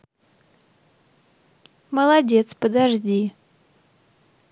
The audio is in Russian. молодец подожди